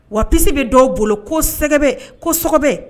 Wa psi bɛ dɔw bolo ko sɛgɛ kobɛ